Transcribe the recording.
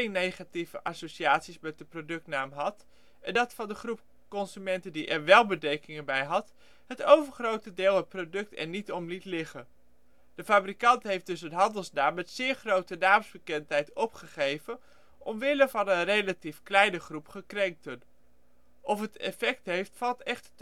negatieve associaties met de productnaam had, en dat van de groep consumenten die er wel bedenkingen bij hadden het overgrote deel het product er niet om liet liggen. De fabrikant heeft dus een handelsnaam met zeer grote naamsbekendheid opgegeven omwille van een relatief kleine groep gekrenkten. Of het effect heeft valt echter